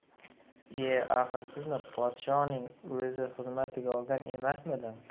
ie axir sizni podshoning o'zi xizmatiga olgan emasmidi